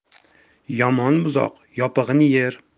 yomon buzoq yopig'in yer